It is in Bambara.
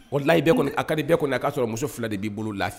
O layi kɔni a ka bɛɛ kɔni a'a sɔrɔ muso fila de'i bolo la